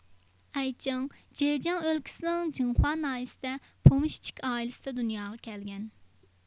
ئەيچىڭ جېجياڭ ئۆلكىسىنىڭ جىنخۇا ناھىيىسىدە پومشىچىك ئائىلىسىدە دۇنياغا كەلگەن